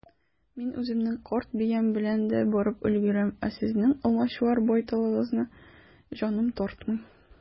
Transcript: Мин үземнең карт биям белән дә барып өлгерәм, ә сезнең алмачуар байталыгызны җаным тартмый.